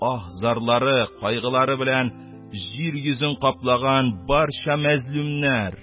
Аһ-зарлары, кайгылары белән җир йөзен каплаган барча мазлумнар,